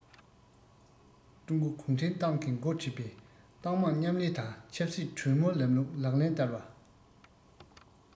ཀྲུང གོ གུང ཁྲན ཏང གིས འགོ ཁྲིད པའི ཏང མང མཉམ ལས དང ཆབ སྲིད གྲོས མོལ ལམ ལུགས ལག ལེན བསྟར བ